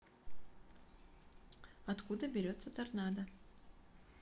откуда берется торнадо